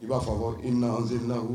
I b'a fɔ i na an senina o